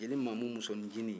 jeli maamu musoni ncinin